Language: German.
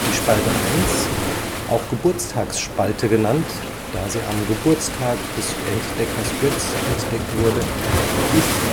Spalte 1, auch Geburtstagsspalte genannt, da sie am Geburtstag des Entdeckers Goetz entdeckt wurde, ist